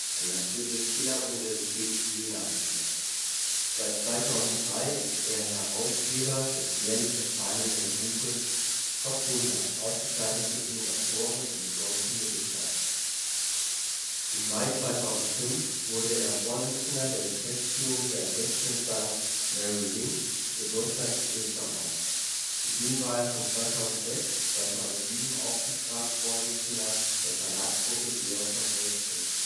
Friedrich-Schiller-Universität Jena inne. Seit 2003 ist er Herausgeber des jährlich erscheinenden Buches „ TOP 100 – Ausgezeichnete Innovatoren im deutschen Mittelstand “". Im Mai 2005 wurde er Vorsitzender der Geschäftsführung der Investmentbank Merrill Lynch für Deutschland und Österreich, zudem war er von 2006 bis 2007 Aufsichtsratsvorsitzender der Verlagsgruppe Georg von Holtzbrinck